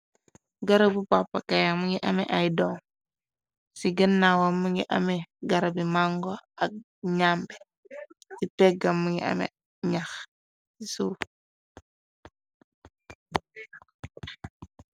Garabu pappa kaya m ngi ame ay dom.ci gënnawam mungi ame garabi mango ak nambe.ci peggam mungi ame ñax ci suuf.